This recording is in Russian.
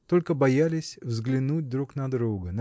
Только боялись взглянуть друг на друга